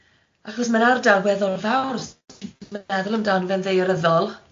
Achos ma'r ardal weddol fawr os dwi'n yn meddwl amdano fe'n ddaearyddol.